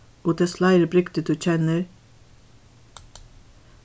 og tess fleiri brigdi tú kennir